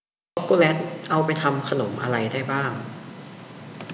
ช็อกโกแลตเอาไปทำขนมอะไรได้บ้าง